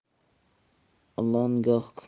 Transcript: ilon goh goh